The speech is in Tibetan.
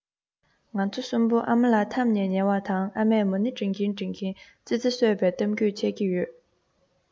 ང ཚོ གསུམ པོ ཨ མ ལ འཐམས ནས ཉལ བ དང ཨ མས མ ཎི བགྲང གིན བགྲང གིན ཙི ཙི གསོད པའི གཏམ རྒྱུད འཆད ཀྱི ཡོད